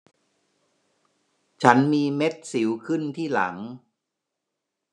ฉันมีเม็ดสิวขึ้นที่หลัง